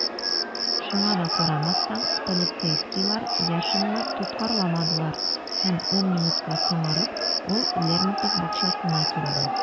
Шуңа да карамастан, полицейскийлар Яшинны тоткарламадылар - һәм ун минутка соңарып, ул Лермонтов бакчасына килде.